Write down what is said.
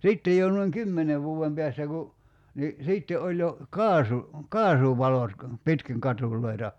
sitten jo noin kymmenen vuoden päästä kun niin sitten oli jo - kaasuvalot - pitkin katuja